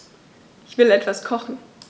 Ich will etwas kochen.